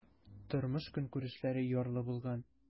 Тормыш-көнкүрешләре ярлы булган.